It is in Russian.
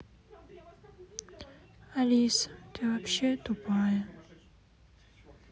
алиса ты вообще тупая